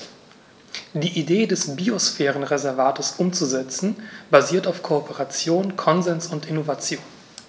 Die Idee des Biosphärenreservates umzusetzen, basiert auf Kooperation, Konsens und Innovation.